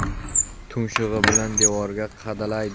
tumshug'i bilan devorga qadalay